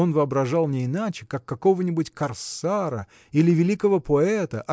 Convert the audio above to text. он воображал не иначе как какого-нибудь корсара или великого поэта